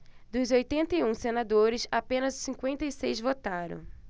dos oitenta e um senadores apenas cinquenta e seis votaram